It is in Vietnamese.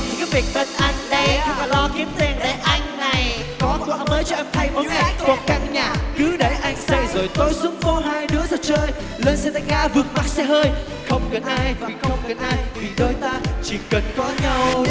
em thì cứ việc bên anh đây không cần lo kiếm tiền để anh này có quần áo mới cho em thay mỗi ngày còn căn nhà cứ để anh xây rồi tối xuống phố hai đứa dạo chơi lên xe tay ga vượt mặt xe hơi không cần ai và không cần ai vì đôi ta chỉ cần có nhau